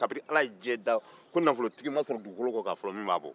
kabiri ala ye diɲɛ da ko nafolotigi ma sɔrɔ dugukolo kɔkan fɔlɔ min b'a bɔ